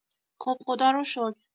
خب خدارو شکر